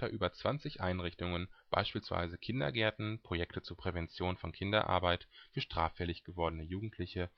über 20 Einrichtungen, beispielsweise Kindergärten, Projekte zur Prävention von Kinderarbeit, für straffällig gewordene Jugendliche